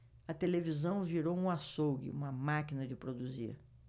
a televisão virou um açougue uma máquina de produzir